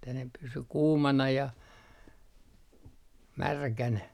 että ne pysyi kuumana ja märkänä